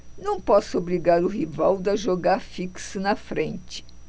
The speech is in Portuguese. não posso obrigar o rivaldo a jogar fixo na frente